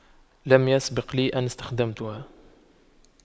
لم يسبق لي أن استخدمتها